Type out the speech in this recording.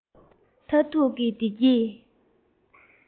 མཐར ཐུག གི བདེ སྐྱིད